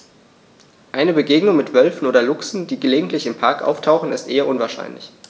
Eine Begegnung mit Wölfen oder Luchsen, die gelegentlich im Park auftauchen, ist eher unwahrscheinlich.